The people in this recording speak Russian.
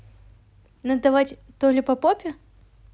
надавать то ли по попе